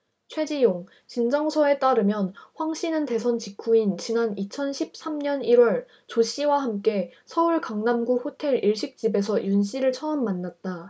최지용진정서에 따르면 황씨는 대선 직후인 지난 이천 십 삼 년 일 월 조씨와 함께 서울 강남구 호텔 일식집에서 윤씨를 처음 만났다